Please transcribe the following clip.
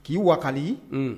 K'i wakali, unh !